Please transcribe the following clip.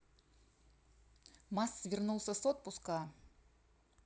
mass вернулся с отпуска